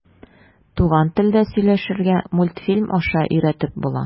Туган телдә сөйләшергә мультфильм аша өйрәтеп була.